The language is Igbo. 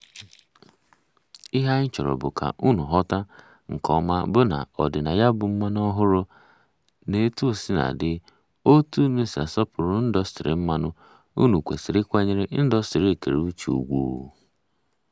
Ihe anyị chọrọ bụ ka unu ghọta nke ọma bụ na ọdịnaya bụ mmanụ ọhụrụ, ma etuosinadị otú unu si asọpụrụ ndọstrị mmanụ, unu kwesịrị ịkwanyere ndọstrị ekere uche ùgwù.